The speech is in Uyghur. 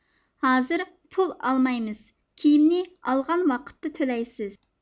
ھازىر پۇل ئالمايمىز كىيىمنى ئالغان ۋاقىتتا تۆلەيسىز